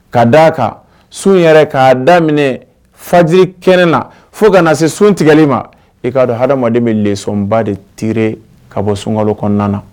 Ka d' a kan sun yɛrɛ k'a daminɛ fajiiri kɛnɛ na fo kana na se sun tigɛli ma I k'a don k'a fɔ adamadamaden bɛ lleçon ba de tirer ka bɔ sunka kɔnɔna na.